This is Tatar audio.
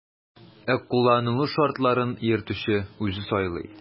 Ә кулланылу шартларын йөртүче үзе сайлый.